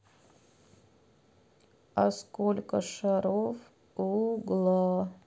а сколько шаров у угла